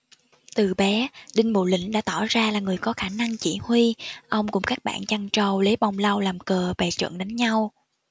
từ bé đinh bộ lĩnh đã tỏ ra là người có khả năng chỉ huy ông cùng các bạn chăn trâu lấy bông lau làm cờ bày trận đánh nhau